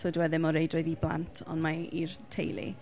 So dyw e ddim o reidrwydd i blant ond mae i'r teulu.